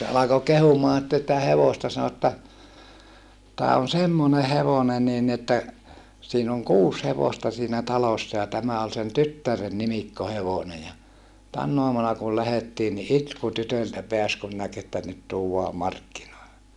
se alkoi kehumaan sitten sitä hevosta sanoi että tämä on semmoinen hevonen niin niin että siinä on kuusi hevosta siinä talossa ja tämä oli sen tyttären nimikkohevonen ja tänä aamuna kun lähdettiin niin itku tytöltä pääsi kun näki että nyt tuodaan markkinoille